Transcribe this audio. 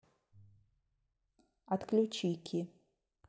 отключи ки